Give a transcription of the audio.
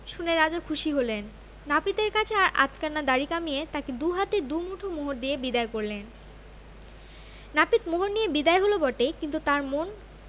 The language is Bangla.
শুনে রাজা খুশি হলেন নাপিতের কাছে আর আধখানা দাড়ি কামিয়ে তাকে দু হাতে দু মুঠো মোহর দিয়ে বিদায় করলেন নাপিত মোহর নিয়ে বিদায় হল বটে কিন্তু তার মন